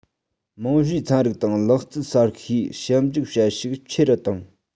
རྨང གཞིའི ཚན རིག དང ལག རྩལ གསར ཤོས ཞིབ འཇུག བྱེད ཤུགས ཆེ རུ བཏང